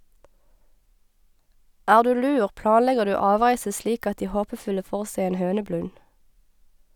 Er du lur, planlegger du avreise slik at de håpefulle får seg en høneblund.